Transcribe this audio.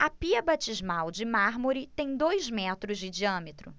a pia batismal de mármore tem dois metros de diâmetro